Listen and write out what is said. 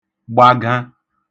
gbaġa